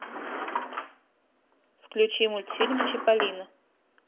включи мультфильм чиполлино